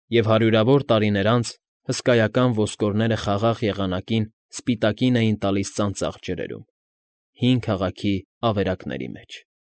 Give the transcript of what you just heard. Եվ հարյուրավոր տարիներ անց հսկայական ոսկերոները խաղաղ եղանակին սպիտակին էին տալիս ծանծաղ ջրերում, հին քաղաքի ավերակների մեջ։